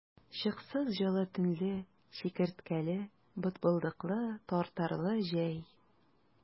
Чыксыз җылы төнле, чикерткәле, бытбылдыклы, тартарлы җәй!